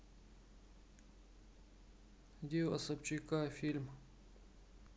дело собчака фильм